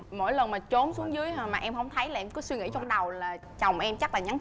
mỗi lần mà trốn xuống dưới mà em không thấy là em cứ suy nghĩ trong đầu là chồng em chắc là nhắn